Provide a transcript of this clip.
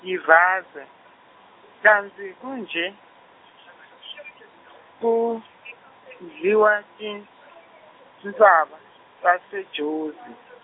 Bhivaze, kantsi kunje , kudliwa, tin- tintsaba, taseJozi?